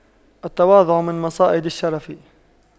التواضع من مصائد الشرف